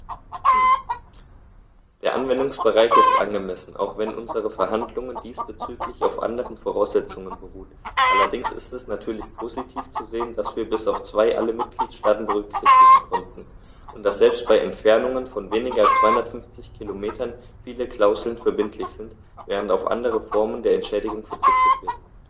Der Anwendungsbereich ist angemessen, auch wenn unsere Verhandlungen diesbezüglich auf anderen Voraussetzungen beruhten, allerdings ist es natürlich positiv zu sehen, dass wir bis auf zwei alle Mitgliedstaaten berücksichtigen konnten, und dass selbst bei Entfernungen von weniger als 250 km viele Klauseln verbindlich sind, während auf andere Formen der Entschädigung verzichtet wird.